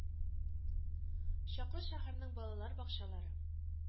Чаклы шәһәрнең балалар бакчалары